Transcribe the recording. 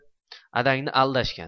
adangni aldashgan